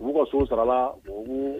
U'u ka so sarala